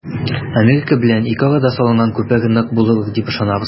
Америка белән ике арада салынган күпер нык булыр дип ышанабыз.